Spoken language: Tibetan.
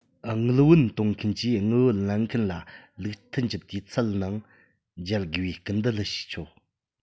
དངུལ བུན གཏོང མཁན གྱིས དངུལ བུན ལེན མཁན ལ ལུགས མཐུན གྱི དུས ཚད ནང འཇལ དགོས པའི སྐུལ འདེད བྱས ཆོག